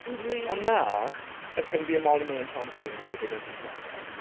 Dwi rili... O na! It's gonna be a Molly-Mae and Tommy Fury, they're going to come second.